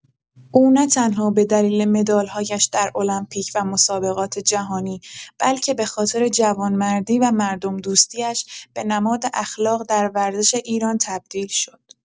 او نه‌تنها به دلیل مدال‌هایش در المپیک و مسابقات جهانی، بلکه به‌خاطر جوانمردی و مردم‌دوستی‌اش به نماد اخلاق در ورزش ایران تبدیل شد.